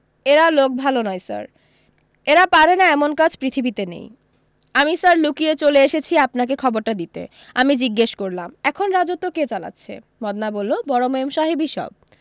এরা লোক ভালো নয় স্যার এরা পারে না এমন কাজ পৃথিবীতে নেই আমি স্যার লুকিয়ে চলে এসেছি আপনাকে খবরটা দিতে আমি জিজ্ঞেস করলাম এখন রাজত্ব কে চালাচ্ছে মদনা বললো বড় মেমসাহেবই সব